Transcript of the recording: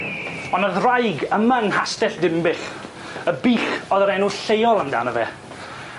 O' 'ny ddraig yma yng Nghastell Dinbych Y Bych o'dd yr enw lleol amdano fe.